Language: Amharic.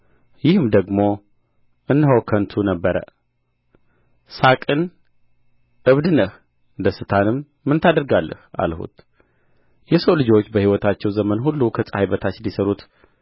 ይህም ደግሞ እነሆ ከንቱ ነበረ ሳቅን ዕብድ ነህ ደስታንም ምን ታደርጋለህ አልሁት የሰው ልጆች በሕይወታቸው ዘመን ሁሉ ከፀሐይ በታች ሊሠሩት